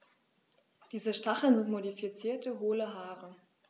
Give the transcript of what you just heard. Diese Stacheln sind modifizierte, hohle Haare.